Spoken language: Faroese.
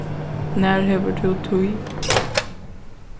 nær hevur tú tíð